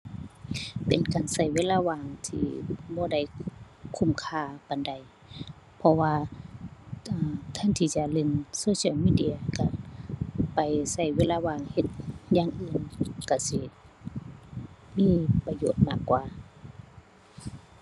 เป็นการใช้เวลาว่างที่บ่ได้คุ้มค่าปานใด เพราะว่า อ่า แทนที่จะเล่น social media ใช้ไปใช้เวลาว่างเฮ็ดอย่างอื่น ใช้สิมีประโยชน์มากกว่า